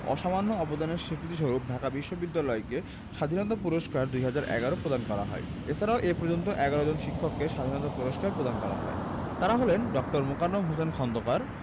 অসামান্য অবদানের স্বীকৃতিস্বরূপ ঢাকা বিশ্ববিদ্যালয়কে স্বাধীনতা পুরস্কার ২০১১ প্রদান করা হয় এছাড়াও এ পর্যন্ত ১৯ জন শিক্ষককে স্বাধীনতা পুরস্কার প্রদান করা হয় তাঁরা হলেন ড. মোকাররম হোসেন খন্দকার